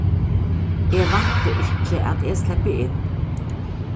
eg vænti ikki at eg sleppi inn